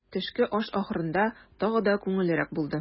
Төшке аш ахырында тагы да күңеллерәк булды.